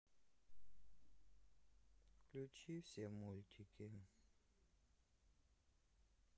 включи все мультики